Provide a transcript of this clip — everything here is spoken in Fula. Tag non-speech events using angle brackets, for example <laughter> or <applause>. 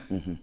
<hesitation> <hesitation>